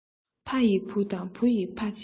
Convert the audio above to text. ཕ ཡིས བུ དང བུ ཡིས ཕ བྱེད པ